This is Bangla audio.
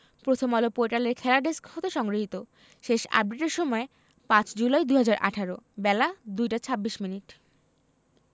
প্রথমআলো পোর্টালের খেলা ডেস্ক হতে সংগৃহীত শেষ আপডেটের সময় ৫ জুলাই ২০১৮ বেলা ২টা ২৬মিনিট